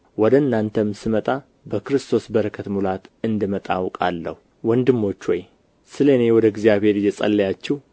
ወደ እናንተም ስመጣ በክርስቶስ በረከት ሙላት እንድመጣ አውቃለሁ ወንድሞች ሆይ ስለ እኔ ወደ እግዚአብሔር እየጸለያችሁ